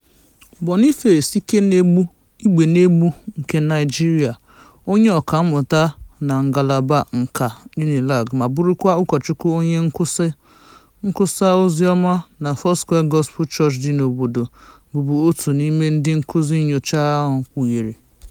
Boniface Igbeneghu nke Naịjirịa, onye ọkammụta na ngalaba nkà nke UNILAG ma bụrụkwa ụkọchukwu onye nkwusa oziọma na Foursquare Gospel Church dị n'obodo, bụbu otu n'ime ndị nkuzị nnyocha ahụ kpughere.